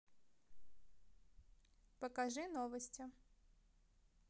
покажи новости